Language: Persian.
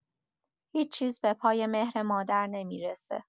هیچ‌چیز به پای مهر مادر نمی‌رسه.